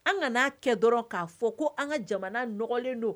An nan'a kɛ dɔrɔn k'a fɔ ko an ka jamana nɔgɔlen don